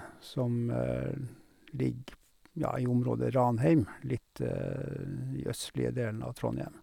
Som l ligger, ja, i området Ranheim, litt i østlige delen av Trondhjem.